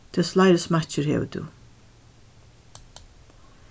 tess fleiri smakkir hevur tú